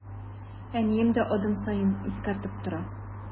Әнием дә адым саен искәртеп тора.